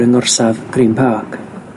yng ngorsaf Green Park.